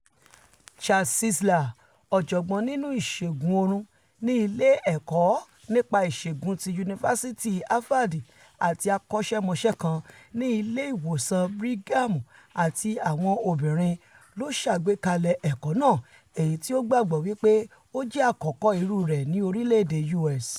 Charles Czeisler, ọ̀jọ̀gbọ́n nínú ìṣègùn oorun ní Ilé Ẹ̀kọ́ nípa Ìṣègùn ti Yunifasiti Havard àti akọ́ṣẹ́mọṣẹ́ kan ní Ilé Ìwòsàn Brigham àti àwọn obìnrin, ló ṣàgbékalẹ̀ ẹ̀kọ́ náà, èyití o gbàgbọ́ wí pé ó jẹ́ àkọ́kọ́ irú rẹ̀ ní orílẹ̀-èdè US.